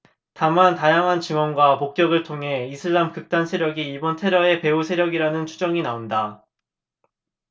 다만 다양한 증언과 목격을 통해 이슬람 극단 세력이 이번 테러의 배후세력이라는 추정이 나온다